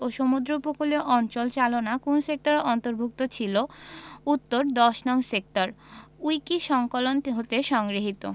ও সমুদ্র উপকূলীয় অঞ্চল চালনা কোন সেক্টরের অন্তভুর্ক্ত ছিল উত্তরঃ ১০নং সেক্টরে উইকিসংকলন হতে সংগৃহীত